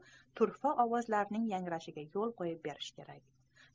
turfa ovozlarning yangrashiga yo'l qo'yib berishi kerak